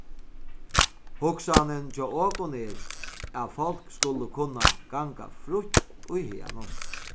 hugsanin hjá okum er at fólk skulu kunna ganga frítt í haganum